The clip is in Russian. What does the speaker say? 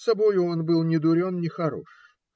Собою он был ни дурен, ни хорош.